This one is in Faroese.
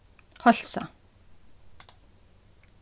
heilsa